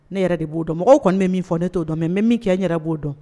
Ne yɛrɛ de b'o dɔn mɔgɔw kɔni bɛ min fɔ ne t'o dɔn mɛ min kɛ n yɛrɛ b'o dɔn